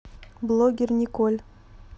блогер николь